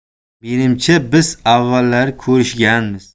menimcha biz avvallari ko'rishganmiz